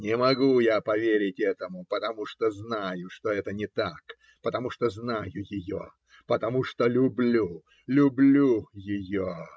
не могу я поверить этому, потому что знаю, что это не так, потому что знаю ее, потому что люблю, люблю ее.